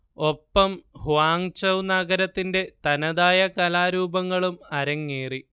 ഒപ്പം ഹ്വാങ്ചൗ നഗരത്തിന്റെ തനതായ കലാരൂപങ്ങളും അരങ്ങേറി